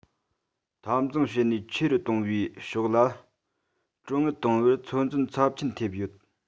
འཐབ འཛིང བྱེད ནུས ཆེ རུ གཏོང བའི ཕྱོགས ལ གྲོན དངུལ གཏོང བར ཚོད འཛིན ཚབས ཆེན ཐེབས ཡོད